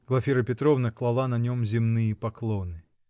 Глафира Петровна клала на нем земные поклоны.